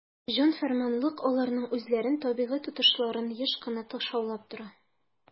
"җан-фәрманлык" аларның үзләрен табигый тотышларын еш кына тышаулап тора.